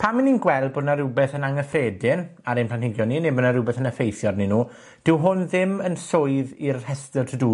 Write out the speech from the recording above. pan ma' ni'n gweld bo' 'na rwbeth yn anghyffredin, ar ein planhigion ni ne' ma' 'na rwbeth yn effeithio arnyn nw, dyw hwn ddim yn swydd i'r rhestyr to do.